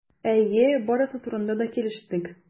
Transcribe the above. Әйе, барысы турында да килештек.